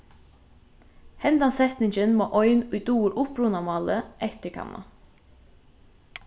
henda setningin má ein ið dugir upprunamálið eftirkanna